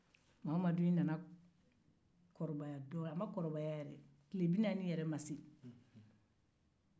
den in ma tile bi naani sɔrɔ